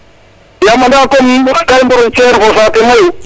yaam anda a koom ka i frontiere fo saate mayu